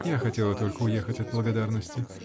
-- Я хотела только уехать от благодарности.